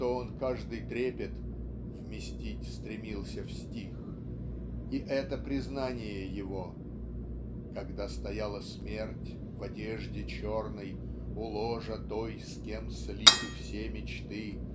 что он каждый трепет "вместить стремился в стих" и это признание его Когда стояла смерть в одежде черной У ложа той с кем слиты все мечты